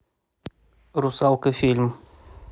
русалка фильм